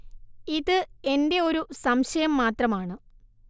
ഇത് എന്റെ ഒരു സംശയം മാത്രമാണ്